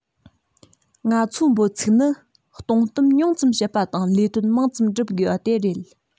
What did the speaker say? ང ཚོའི འབོད ཚིག ནི སྟོང གཏམ ཉུང ཙམ བཤད པ དང ལས དོན མང ཙམ བསྒྲུབ དགོས པ དེ རེད